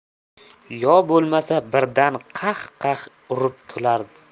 yo bo'lmasa birdan qah qah urib kular